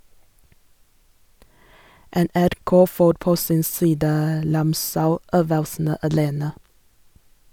NRK får på sin side Ramsau-øvelsene alene.